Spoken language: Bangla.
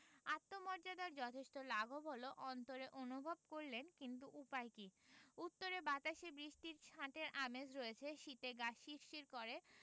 আত্মমর্যাদার যথেষ্ট লাঘব হলো অন্তরে অনুভব করলেন কিন্তু উপায় কি উত্তরে বাতাসে বৃষ্টির ছাঁটের আমেজ রয়েছে শীতে গা শিরশির করে